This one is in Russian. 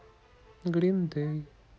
грин дэй